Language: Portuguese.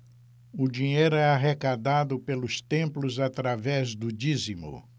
o dinheiro é arrecadado pelos templos através do dízimo